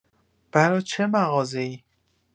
برا چه مغازه‌ای